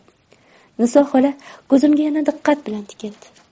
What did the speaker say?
niso xola ko'zimga yana diqqat bilan tikildi